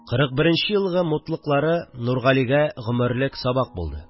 Кырык беренче елгы мутлыклары Нургалигә гомерлек сабак булды